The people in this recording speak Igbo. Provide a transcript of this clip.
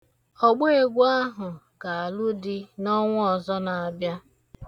Ọgbeegwu ahụ ga-alụ di n'ọnwa ọzọ na-abịa.